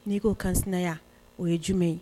N'i k koo kanya o ye jumɛn ye